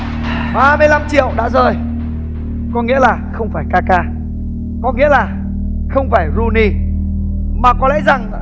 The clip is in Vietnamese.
ba mươi lăm triệu đã rơi có nghĩa là không phải ca ca có nghĩa là không phải ru ny mà có lẽ rằng